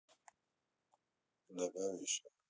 добавь еще